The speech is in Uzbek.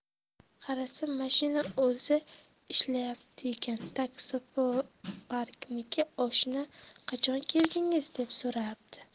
qarasa mashina o'zi ishlaydigan taksoparkniki oshna qachon keldingiz deb so'rabdi